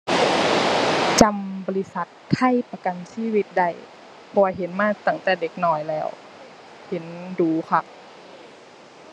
จำบริษัทไทยประกันชีวิตได้ เพราะว่าเห็นมาตั้งแต่เด็กน้อยแล้ว เห็นดู๋คัก